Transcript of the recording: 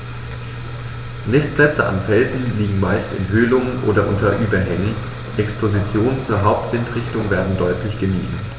Nistplätze an Felsen liegen meist in Höhlungen oder unter Überhängen, Expositionen zur Hauptwindrichtung werden deutlich gemieden.